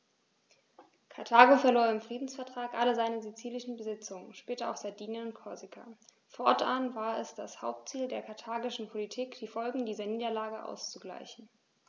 Karthago verlor im Friedensvertrag alle seine sizilischen Besitzungen (später auch Sardinien und Korsika); fortan war es das Hauptziel der karthagischen Politik, die Folgen dieser Niederlage auszugleichen.